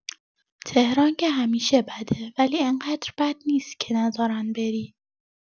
تهران که همیشه بده ولی انقدر بد نیست که نزارن بری.